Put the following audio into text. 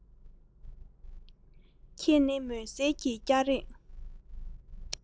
ཁྱེད ནི མུན སེལ གྱི སྐྱ རེངས